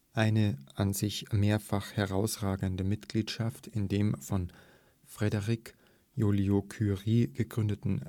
Eine an ihn mehrfach herangetragene Mitgliedschaft in dem von Frédéric Joliot-Curie gegründeten